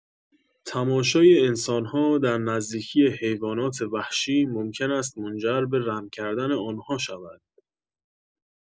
تماشای انسان‌ها در نزدیکی حیوانات وحشی ممکن است منجر به رم کردن آن‌ها شود.